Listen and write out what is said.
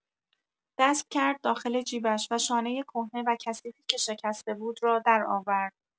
دست کرد داخل جیبش و شانۀ کهنه و کثیفی که شکسته بود را درآورد.